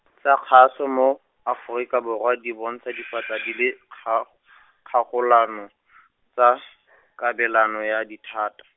tsa kgaso mo, Aforika Borwa di bontsha diphatla di le, kga- kgagolano , tsa , kabelano ya dithata.